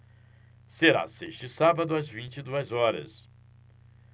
será sexta e sábado às vinte e duas horas